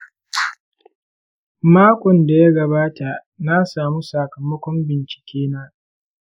makon da ya gabata na samu sakamakon bincike na.